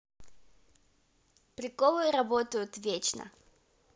приколы работают вечно